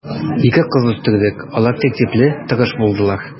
Ике кыз үстердек, алар тәртипле, тырыш булдылар.